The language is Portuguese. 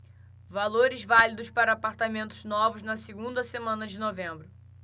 valores válidos para apartamentos novos na segunda semana de novembro